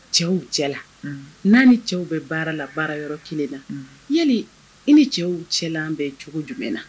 Cɛw cɛla la n' ni cɛw bɛ baara la baara yɔrɔ kelen na yali i ni cɛw cɛ la bɛ cogo jumɛn na